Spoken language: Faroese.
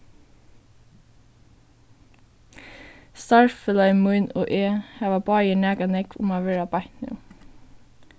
starvsfelagi mín og eg hava báðir nakað nógv um at vera beint nú